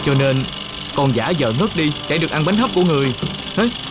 cho nên con giả vờ ngất đi để được ăn bánh hấp của người hế